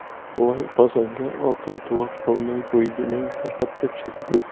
loy qozonga oltin tuvoq bo'lmay bo'yginang lahatda chirigur